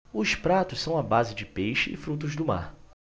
os pratos são à base de peixe e frutos do mar